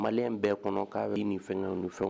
Mali bɛɛ kɔnɔ k'a bɛ nin fɛn ka fɛn